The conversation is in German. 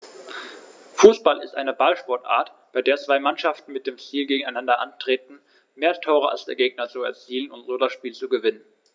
Fußball ist eine Ballsportart, bei der zwei Mannschaften mit dem Ziel gegeneinander antreten, mehr Tore als der Gegner zu erzielen und so das Spiel zu gewinnen.